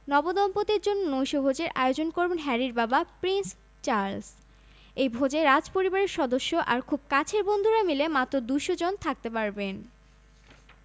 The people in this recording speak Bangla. নবদম্পতির জন্য নৈশভোজের আয়োজন করবেন হ্যারির বাবা প্রিন্স চার্লস এই ভোজে রাজপরিবারের সদস্য আর খুব কাছের বন্ধুরা মিলে মাত্র ২০০ জন থাকতে পারবেন